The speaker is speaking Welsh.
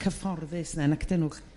cyfforddus 'na nac 'dyn nhw.